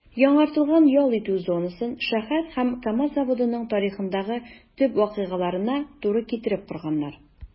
Яңартылган ял итү зонасын шәһәр һәм КАМАЗ заводының тарихындагы төп вакыйгаларына туры китереп корганнар.